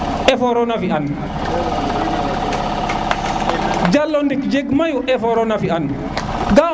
effort ro na fi an jalo ndik jeg mayu effort ro na fi an